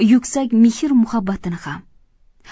yuksak mehr muhabbatini ham